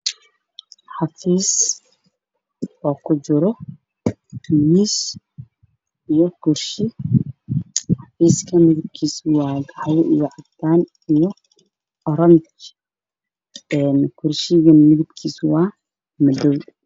Meeshan oo xafiis waxaa yaalla kursi madow ah miis qaxwi ah darbiga waa caddaan iyo guduud